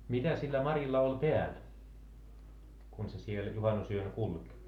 mitä sillä Marilla oli päällä kun se siellä juhannusyönä kulki